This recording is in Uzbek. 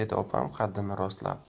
dedi opam qaddini rostlab